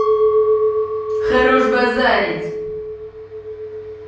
хорош базарить